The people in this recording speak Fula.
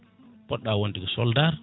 poɗɗa wonde ko soldat